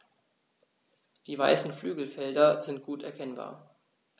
Die weißen Flügelfelder sind gut erkennbar.